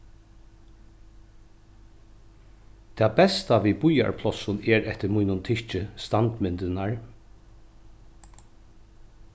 tað besta við býarplássum er eftir mínum tykki standmyndirnar